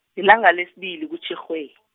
lilanga lesibili kuTjhirhwe- .